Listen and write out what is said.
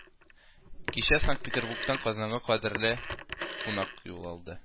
Кичә Санкт-Петербургтан Казанга кадерле кунак юл алды